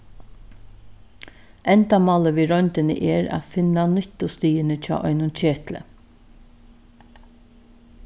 endamálið við royndini er at finna nyttustigini hjá einum ketli